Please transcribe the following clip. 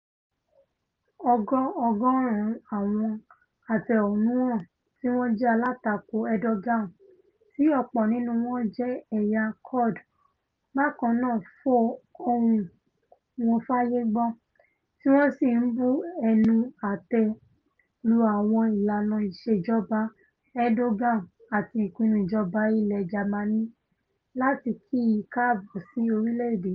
Ọgọ-ọgọ́ọ̀rún àwọn afẹ̀hónúhàn tíwọ́n jẹ́ alátakò Erdogan - tí ọ̀pọ̀ nínú wọn jẹ ẹ̀yà Kurd - bákannáà fọ ohùn wọn fáyé gbọ́, tíwọn sì ńbu ẹnu atẹ́ lu àwọn ìlànà ìṣejọba Erdogan àti ìpinnu ìjọba ilẹ̀ Jamani láti kì i káàbọ sí orílẹ̀-èdè náà.